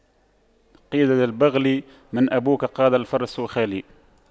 قيل للبغل من أبوك قال الفرس خالي